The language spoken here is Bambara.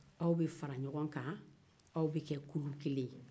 aw bɛ fara ɲɔgɔn kan aw bɛ kɛ kulu kelen ye